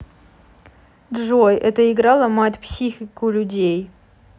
джой это игра ломает психику людей